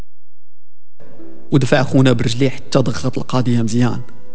مدفع هاون برجليها تضغط القادم زياد